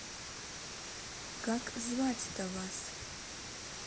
как звать то вас